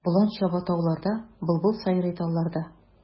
Болан чаба тауларда, былбыл сайрый талларда.